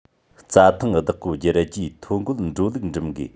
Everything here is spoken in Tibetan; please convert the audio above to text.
རྩྭ ཐང བདག ཁོངས བསྒྱུར རྒྱུའི ཐོ འགོད འགྲོ ལུགས འགྲིམ དགོས